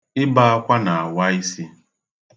Ibe akwa na-awa isi.